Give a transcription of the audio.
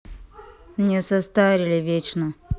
не состарили вечно